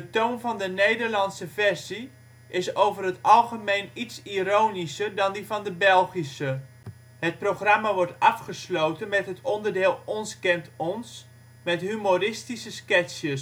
toon van de Nederlandse versie is over het algemeen iets ironischer dan die van de Belgische. Het programma wordt afgesloten met het onderdeel " Ons kent ons " met humoristische sketches. De